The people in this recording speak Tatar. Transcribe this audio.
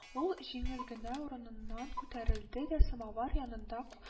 Ул җиңел генә урыныннан күтәрелде дә самавар янында